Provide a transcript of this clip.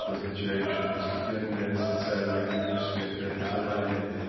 обозначающим постепенное социально-экономическое преобразование